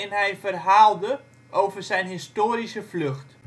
hij verhaalde over zijn historische vlucht